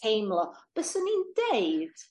teimlo. Byswn i'n deud